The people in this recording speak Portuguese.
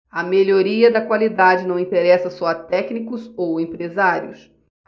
a melhoria da qualidade não interessa só a técnicos ou empresários